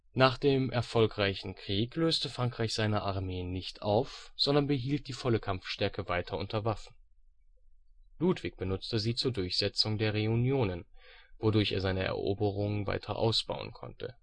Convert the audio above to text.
Nach dem erfolgreichen Krieg löste Frankreich seine Armeen nicht auf, sondern behielt die volle Kampfstärke weiter unter Waffen. Ludwig benutzte sie zur Durchsetzung der Reunionen, wodurch er seine Eroberungen weiter ausbauen konnte